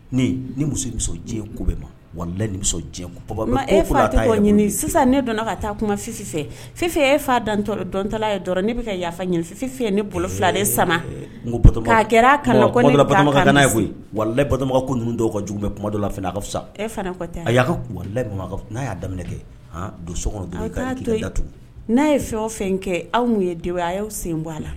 Ni muso bɛ ma wali e bɔ ɲini sisan ne donna ka taa kuma fifɛ fifɛ e fa' dan dɔntala dɔrɔn ne bɛ ka yaa ɲini ye ne bolo filalen sama kɛra' ye wali ko dɔw ka jugu bɛ kuma la ka fisa e fana daminɛ kɛ don so n'a ye fɛn o fɛn kɛ anw ye a y' sen bɔ a la